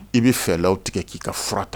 I bi fɛlɛw tigɛ ki ka fura ta.